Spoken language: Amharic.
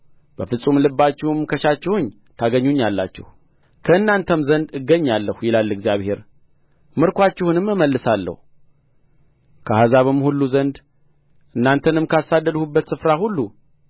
በፍጹም ልባችሁም ከሻችሁኝ ታገኙኛላችሁ ከእናንተም ዘንድ እገኛለሁ ይላል እግዚአብሔር ምርኮአችሁንም እመልሳለሁ ከአሕዛብም ሁሉ ዘንድ እናንተንም ካሳደድሁበት ስፍራ ሁሉ